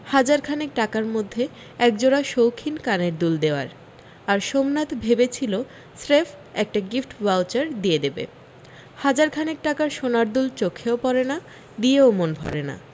হাজারখানেক টাকার মধ্যে একজোড়া শৌখিন কানের দুল দেওয়ার আর সোমনাথ ভেবেছিল স্রেফ একটা গিফট ভাওচার দিয়ে দেবে হাজারখানেক টাকার সোনার দুল চোখেও পড়ে না দিয়েও মন ভরে না